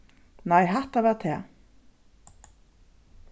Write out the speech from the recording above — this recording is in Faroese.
nei hatta var tað